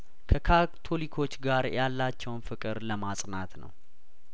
ከካቶሊኮች ጋር ያላቸውን ፍቅር ለማ ጽናት ነው